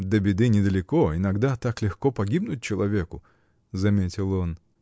— До беды недалеко: иногда так легко погибнуть человеку. — заметил он.